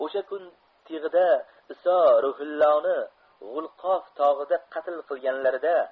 osha kun tig'ida iso ruhilloni gulqof tog'ida qatl qilganlarida